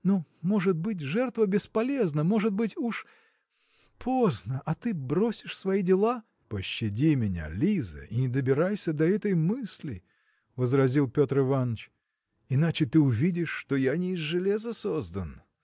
но, может быть, жертва бесполезна, может быть, уж. поздно, а ты бросишь свои дела. – Пощади меня Лиза и не добирайся до этой мысли – возразил Петр Иваныч – иначе ты увидишь что я не из железа создан.